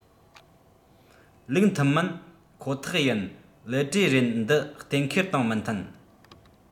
ལུགས མཐུན མིན ཁོ ཐག ཡིན ལི ཀྲུའུ རེན འདི གཏན འཁེལ དང མི མཐུན